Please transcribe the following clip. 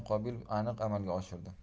qobilov aniq amalga oshirdi